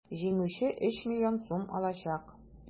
Җиңүче 3 млн сум алачак.